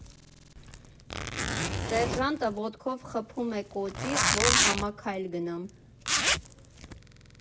Սերժանտը ոտքով խփում է կոճիս, որ համաքայլ գնամ։